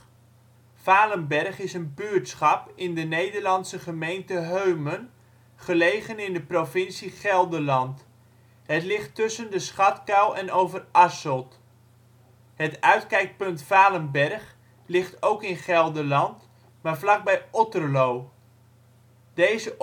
Valenberg is een buurtschap in de Nederlandse gemeente Heumen, gelegen in de provincie Gelderland. Het ligt tussen De Schatkuil en Overasselt. Het Uitkijkpunt Valenberg ligt ook in Gelderland, maar vlakbij Otterlo. Plaatsen in de gemeente Heumen Dorpen: Heumen · Malden · Molenhoek (gedeelte) · Nederasselt · Overasselt Buurtschappen: Blankenberg · Ewijk · Heide · Molenhoek · De Schatkuil · Schoonenburg · Sleeburg · Valenberg · Vogelzang · Worsum Gelderland: Steden en dorpen in Gelderland Nederland: Provincies · Gemeenten 51°